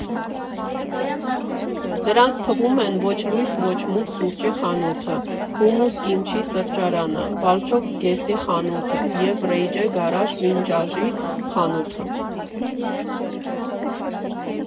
Դրանց թվում են «Ոչ լույս, ոչ մութ» սուրճի խանութը, «Հումմուս Կիմչի» սրճարանը, «Վոլչոկ» զգեստի խանութը և «Ռեյջե Գարաժ» վինջաժի խանութը։